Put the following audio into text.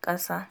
ƙasa.